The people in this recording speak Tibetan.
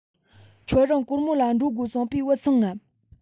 ཁྱོད རང གོར མོ ལ འགྲོ དགོས གསུངས པས བུད སོང ངམ